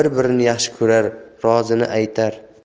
birini yaxshi ko'rar rozini aytar